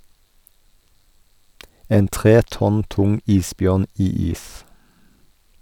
En tre tonn tung isbjørn i is.